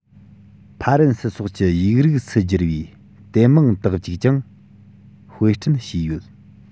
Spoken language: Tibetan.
ཕ རན སི སོགས ཀྱི ཡིག རིགས སུ བསྒྱུར བའི དེབ མང དག ཅིག ཀྱང དཔེ སྐྲུན བྱས ཡོད